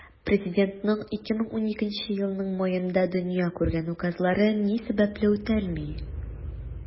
Президентның 2012 елның маенда дөнья күргән указлары ни сәбәпле үтәлми?